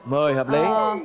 mười hợp lý